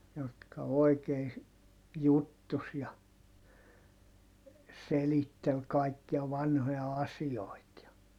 jotka oikein juttusi ja selitteli kaikkia vanhoja asioita ja